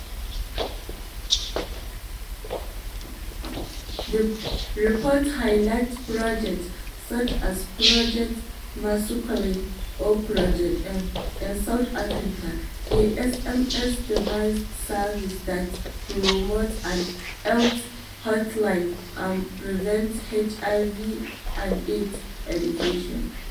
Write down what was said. The report highlights projects such as Project Masiluleke (or Project M) in South Africa, a SMS-based service that promotes an AIDS hotline and provides HIV/AIDS education.